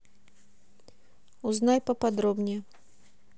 узнай поподробнее